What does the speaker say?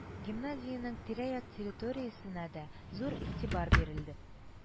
Гимназиянең тирә-як территориясенә дә зур игътибар бирелде